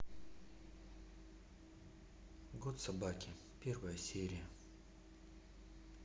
год собаки первая серия